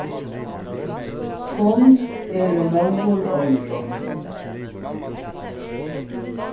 tunn eru móður oyru